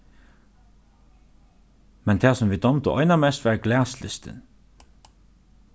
men tað sum vit dámdu einamest var glaslistin